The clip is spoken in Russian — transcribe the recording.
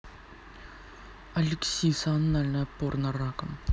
алексиса анальное порно раком